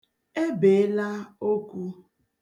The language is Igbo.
E beela okwu.